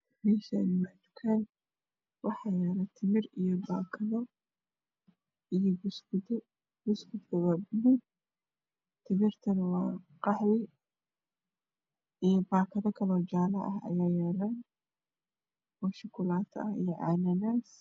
Meeshaani waa tukaan waxaa yaalo timir iyo baakado iyo buskodyo. Buskudku waa gaduud, timirtuna waa qaxwi iyo baakado kale oo jaala ah ayaa yaalo oo shukulaato ah iyo cananaas.